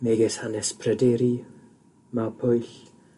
megis hanes Pryderi mab Pwyll